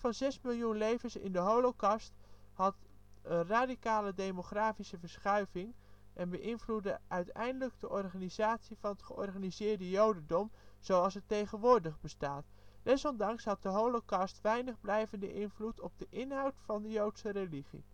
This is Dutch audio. miljoen levens in de holocaust had een radicale demografische verschuiving en beïnvloedde uiteindelijk de organisatie van het georganiseerde jodendom zoals het tegenwoordig bestaat. Desondanks had de holocaust weinig blijvende invloed op de inhoud van de joodse religie